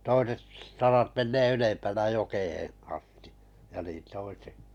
toiset sarat menee ylempänä jokeen asti ja niin toisetkin